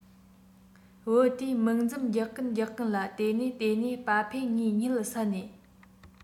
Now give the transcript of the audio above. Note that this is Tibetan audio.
བུ དེས མིག འཛུམ རྒྱག གིན རྒྱག གིན ལ དེ ནས དེ ནས པ ཕས ངའི གཉིད བསད ནས